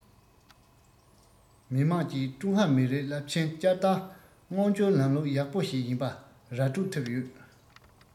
མི དམངས ཀྱིས ཀྲུང ཧྭ མི རིགས རླབས ཆེན བསྐྱར དར མངོན འགྱུར ལམ ལུགས ཡག པོ ཞིག ཡིན པ ར སྤྲོད ཐུབ ཡོད